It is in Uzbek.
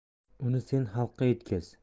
uni sen xalqqa yetkaz